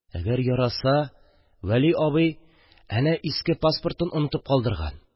– әгәр яраса, вәли абый әнә иске паспортын онытып калдырган...